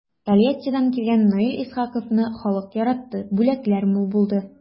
Тольяттидан килгән Наил Исхаковны халык яратты, бүләкләр мул булды.